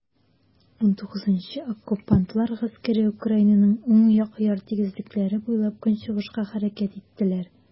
XIX Оккупантлар гаскәре Украинаның уң як яр тигезлекләре буйлап көнчыгышка хәрәкәт иттеләр.